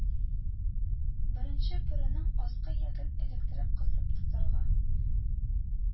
Беренче пүренең аскы ияген эләктереп, кысып тотарга